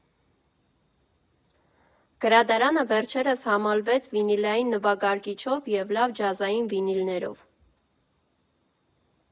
Գրադարանը վերջերս համալվեց վինիլային նվագարկիչով և լավ ջազային վինիլներով։